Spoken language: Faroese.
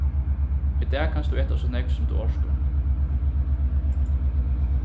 í dag kanst tú eta so nógv sum tú orkar